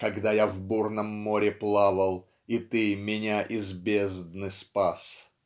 Когда я в бурном море плавал И ты меня из бездны спас.